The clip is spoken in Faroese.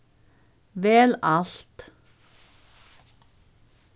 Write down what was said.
vel alt